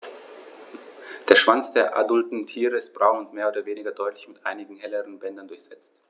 Der Schwanz der adulten Tiere ist braun und mehr oder weniger deutlich mit einigen helleren Bändern durchsetzt.